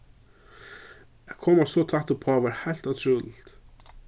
at koma so tætt uppá var heilt ótrúligt